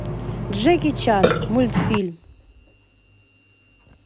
джеки чан мультфильм